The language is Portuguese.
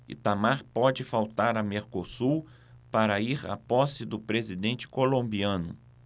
itamar pode faltar a mercosul para ir à posse do presidente colombiano